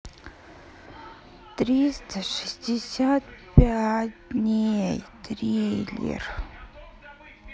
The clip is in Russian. триста шестьдесят пять дней трейлер